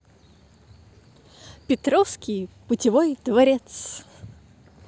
петровский путевой дворец